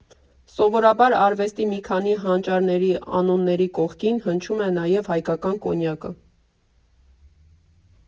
Սովորաբար արվեստի մի քանի հանճարների անունների կողքին հնչում է նաև հայկական կոնյակը.